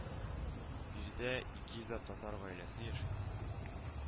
Биредә ике йөзләп татар гаиләсе яши